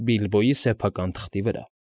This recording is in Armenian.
Բիլբոյի սեփական թղթի վրա)։